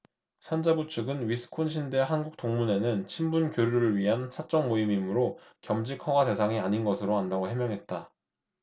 산자부 측은 위스콘신대 한국 동문회는 친분교류를 위한 사적 모임이므로 겸직 허가 대상이 아닌 것으로 안다고 해명했다